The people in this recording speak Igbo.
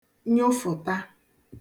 nyofụ̀ta